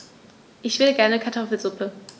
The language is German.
Ich will gerne Kartoffelsuppe.